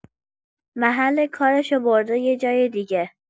محل کارشو برده یه جای دیگه